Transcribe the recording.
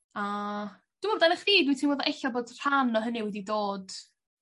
A dwi mwbo amdanach chdi dwi timlo bo' ella bod rhan o hynny wedi dod...